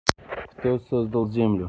кто создал землю